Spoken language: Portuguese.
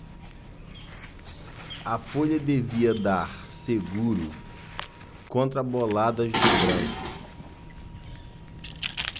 a folha devia dar seguro contra boladas do branco